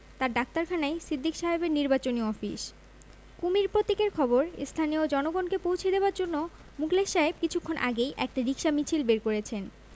তাঁর ডাক্তারখানাই সিদ্দিক সাহেবের নির্বাচনী অফিস কুমীর প্রতীকের খবর স্থানীয় জনগণকে পৌঁছে দেবার জন্যে মুখলেস সাহেব কিছুক্ষণ আগে একটা রিকশা মিছিল বের করেছেন